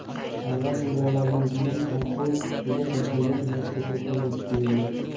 avval jiydazordan keyin qonqus ustiga tashlangan yakkacho'pdan o'tdik